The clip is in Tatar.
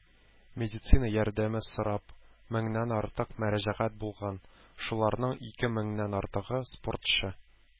Медицина ярдәме сорап ун меңнән артык мөрәҗәгать булган, шуларның ике меңнән артыгы - спортчы.